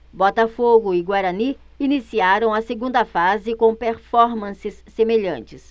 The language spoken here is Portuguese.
botafogo e guarani iniciaram a segunda fase com performances semelhantes